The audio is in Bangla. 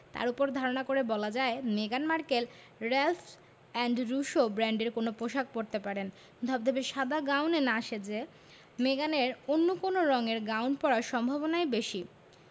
তার ওপর ধারণা করে বলা যায় মেগান Markle Ralph and Russo ব্র্যান্ডের কোনো পোশাক পরতে পারেন ধবধবে সাদা গাউনে না সেজে মেগানের অন্য কোন রঙের গাউন পরার সম্ভাবনাই বেশি